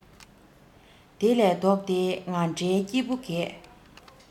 དེ ལས ལྡོག སྟེ ང འདྲའི སྐྱེས བུ འགས